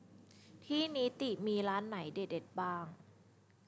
ที่นิติมีร้านไหนเด็ดเด็ดบ้าง